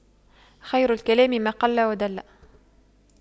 خير الكلام ما قل ودل